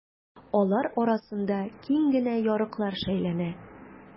Алар арасында киң генә ярыклар шәйләнә.